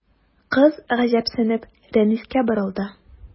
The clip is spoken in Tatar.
Кыз, гаҗәпсенеп, Рәнискә борылды.